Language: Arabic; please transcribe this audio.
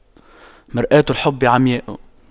مرآة الحب عمياء